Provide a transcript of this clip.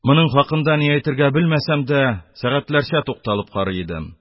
Моның хакында ни әйтергә белмәсәм дә, сәгатьләрчә тукталып карый идем.